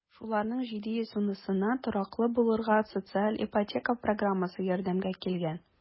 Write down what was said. Шуларның 710-сына тораклы булырга социаль ипотека программасы ярдәмгә килгән.